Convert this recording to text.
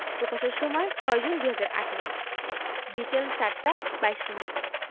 প্রকাশের সময় ৬জুন ২০১৮ বিকেল ৪টা ২২ মিনিট